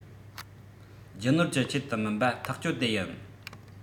རྒྱུ ནོར གྱི ཆེད དུ མིན པ ཐག གཅོད དེ ཡིན